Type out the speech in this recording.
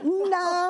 Na.